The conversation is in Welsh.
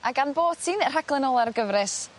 A gan bot 'i'n rhaglan ola'r gyfres